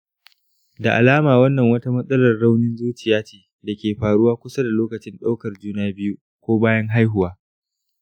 da alama wannan wata matsalar raunin zuciya ce da ke faruwa kusa da lokacin ɗaukar juna biyu ko bayan haihuwa.